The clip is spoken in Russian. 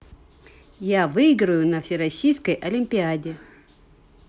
а я выиграю на всероссийской олимпиаде